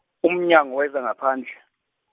uMnyango wezaNgaphandle.